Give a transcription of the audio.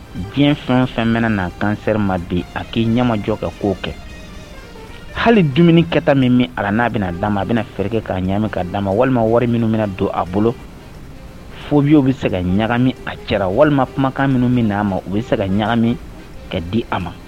Diɲɛ fɛn fɛn mɛn n'an kansɛ ma bin a k'i ɲamamajɔ kɛ k'o kɛ hali dumuni kɛta min min a n'a bɛna' da ma a bɛna fɛke k'a ɲami k' d'a ma walima wari minnumina don a bolo foyibiyew bɛ se ka ɲagami a cɛla walima kumakan minnu min aa ma u bɛ se ka ɲagami ka di a ma